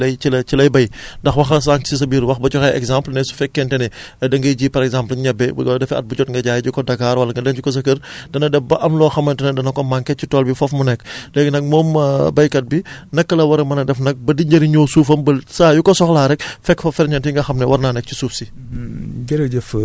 suuf si nga xamante ne ci lay ci la ci lay béy ndax wax nga sànq ci sa biir wax ba joxe exemple ne su fekkente ne da ngay ji par exemple ñebe bu ko defee defee at bu jot nga jaayi ji ko Dakar wala nga denc ko sa kër dana dem ba am loo xamante ne dana ko manqué ci tool bi foofu mu nekk léegi nag moom baykat bi naka la war a mën a def nag ba di njariñoo suufam ba saa yu ko soxlaa rekk fekk fa ferñent yi nga xam ne war naa nekk ci suuf si